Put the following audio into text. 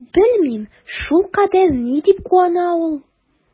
Белмим, шулкадәр ни дип куана ул?